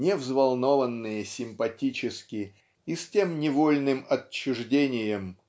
не взволнованные симпатически и с тем невольным отчуждением